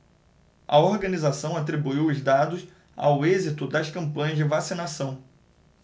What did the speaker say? a organização atribuiu os dados ao êxito das campanhas de vacinação